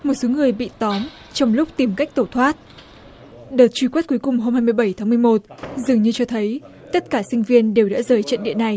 một số người bị tóm trong lúc tìm cách tẩu thoát đợt truy quét cuối cùng hôm hai mươi bảy tháng mười một dường như cho thấy tất cả sinh viên đều đã rời trận địa này